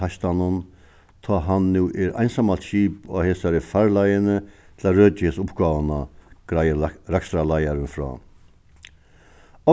teistanum tá hann nú er einsamalt skip á hesari farleiðini til at røkja hesa uppgávuna greiðir rakstrarleiðarin frá